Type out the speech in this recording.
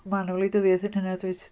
Mae yna wleidyddiaeth yn hynna does?